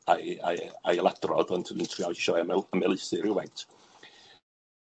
ai- ai- ailadrodd, ond dwi'n mynd i trial isio ymel- ymelaethu rywfaint.